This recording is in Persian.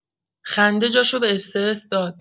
خنده جاشو به استرس داد.